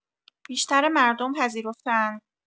بیشتر مردم پذیرفته‌اند.